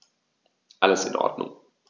Alles in Ordnung.